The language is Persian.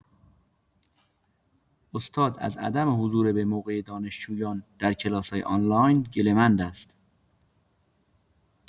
استاد از عدم حضور به‌موقع دانشجویان در کلاس‌های آنلاین گله‌مند است.